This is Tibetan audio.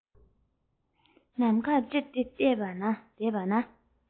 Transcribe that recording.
ནམ མཁར ཅེར ཏེ བསྡད པ ན